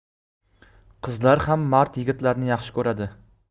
qizlar ham mard yigitlarni yaxshi ko'radi